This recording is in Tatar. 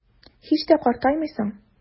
Һич тә картаймыйсың.